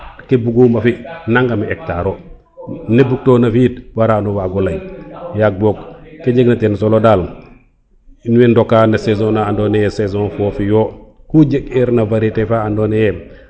ke buguma fi nangam hectare o ne bug tona fi it wara no wago ley yaag bog ke jeg na ten solo dal in way ndoka no saison na ando naye saison fofi yo ku jeg erna varieter fa ando naye